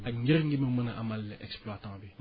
ak njëriñ li mu mën a amal exploitant bi